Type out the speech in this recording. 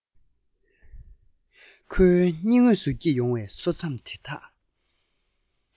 ཁོའི རྙིལ ངོས སུ སྐྱེས ཡོང པའི སོ ཚབ དེ དག